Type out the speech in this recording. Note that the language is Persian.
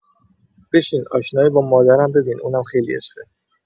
بشین آشنایی با مادرم ببین اونم خیلی عشقه